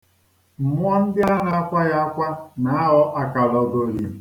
Mmụọ ndị a na-akwaghị akwa na-aghọ àkàlòògòli.